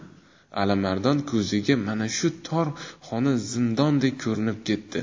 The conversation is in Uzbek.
alimardon ko'ziga mana shu tor xona zindondek ko'rinib ketdi